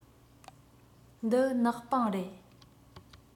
འདི ནག པང རེད